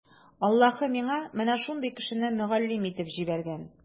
Аллаһы миңа менә шундый кешене мөгаллим итеп җибәргән.